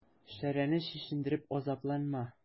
Шәрәне чишендереп азапланма.